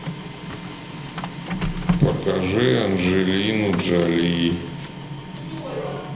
покажи анджелину джоли